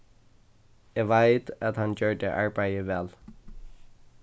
eg veit at hann gjørdi arbeiðið væl